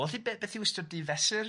Wel felly be- beth yw ystyr difesur?